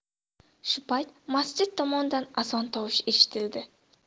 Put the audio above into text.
shu payt masjid tomondan azon tovushi eshitildi